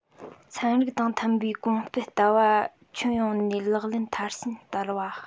ཚན རིག དང མཐུན པའི གོང སྤེལ ལྟ བ ཁྱོན ཡོངས ནས ལག ལེན མཐར ཕྱིན བསྟར བ